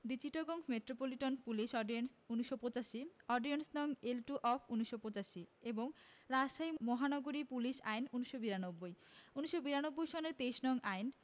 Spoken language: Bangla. The Chittagong metropolitan police ordinance ১৯৮৫ ordinance. নং. এল টু অফ ১৯৮৫ এবং রাজশাহী মহানগরী পুলিশ আইন ১৯৯২ ১৯৯২ সনের ২৩ নং আইন